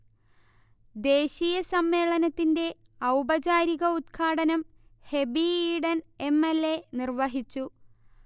ദേശീയ സമ്മേളനത്തിന്റെ ഔപചാരിക ഉത്ഘാടനം Hibi Eden M. L. A. നിർവഹിച്ചു